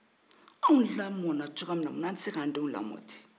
anw lamɔna cogoya min na muna an tɛ se ka denw lamɔ ten